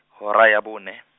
hora ya bone.